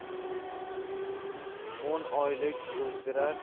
o'n oylik o'zdirar